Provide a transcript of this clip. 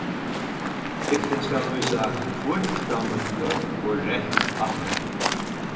lyktin skal lýsa hvítt frameftir og reytt aftureftir